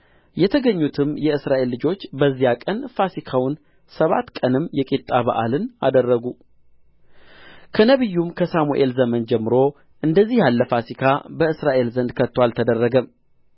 የተገኙትም የእስራኤል ልጆች በዚያ ቀን ፋሲካውን ሰባት ቀንም የቂጣ በዓልን አደረጉ ከነቢዩ ከሳሙኤል ዘመን ጀምሮ እንደዚህ ያለ ፋሲካ በእስራኤል ዘንድ ከቶ አልተደረገም